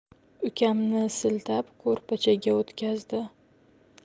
ukamni siltab ko'rpachaga o'tkazdi